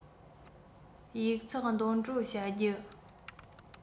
ཡིག ཚགས འདོན སྤྲོད བྱ རྒྱུ